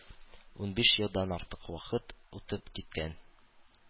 Унбиш елдан артык вакыт үтеп киткән